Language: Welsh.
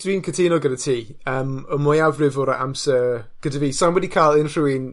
Dwi'n cytuno gyda ti. Yym y mwyafrif o'r amser gyda fi. Sai'n wedi ca'l unrhyw un